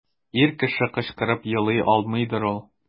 Ир кеше кычкырып елый алмыйдыр ул.